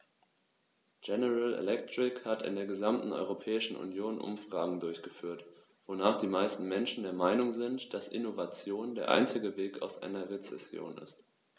General Electric hat in der gesamten Europäischen Union Umfragen durchgeführt, wonach die meisten Menschen der Meinung sind, dass Innovation der einzige Weg aus einer Rezession ist.